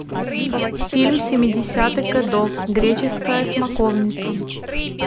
фильм семидесятых годов греческая смоковница